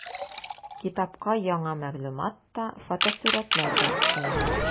Китапка яңа мәгълүмат та, фотосурәтләр дә өстәлгән.